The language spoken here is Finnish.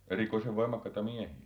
Erikoisen voimakkaita miehiä